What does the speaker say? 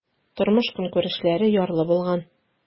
Тормыш-көнкүрешләре ярлы булган.